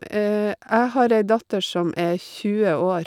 Jeg har ei datter som er tjue år.